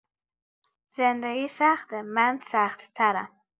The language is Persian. زندگی سخته، من سختترم.